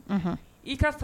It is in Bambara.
I ka